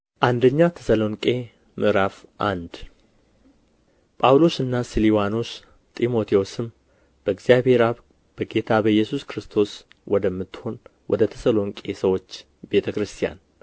አንደኛ ተሰሎንቄ ምዕራፍ አንድ ጳውሎስና ስልዋኖስ ጢሞቴዎስም በእግዚአብሔር አብ በጌታ በኢየሱስ ክርስቶስም ወደምትሆን ወደ ተሰሎንቄ ሰዎች ቤተ ክርስቲያን